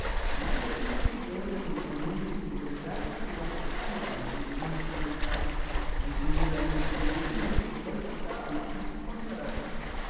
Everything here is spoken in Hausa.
Na yi baƙin ciki game da rahotannin cigaba da dakatarwa da kama ɗalibai 'yan makaranta don sun yi zane a kan hotunan shugaban ƙasa a littattafan karatu.